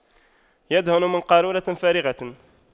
يدهن من قارورة فارغة